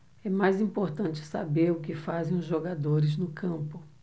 é mais importante saber o que fazem os jogadores no campo